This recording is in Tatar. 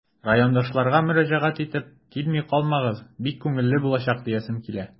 Райондашларга мөрәҗәгать итеп, килми калмагыз, бик күңелле булачак диясем килә.